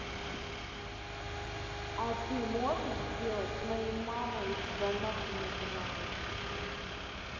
а ты можешь сделать с моей мамой чтобы она со мной трахалась